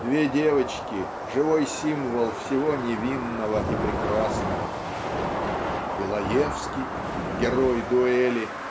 две девочки, живой символ всего невинного и прекрасного. И Лаевский герой "Дуэли"